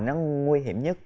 nó nguy hiểm nhất